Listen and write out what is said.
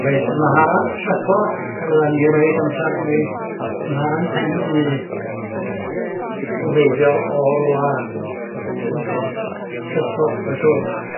Reit maharan Suffolk o'ddan ni reid amsar hynny maharan pen du o wreiddiol o'r wlad Suffolk ma' siŵr.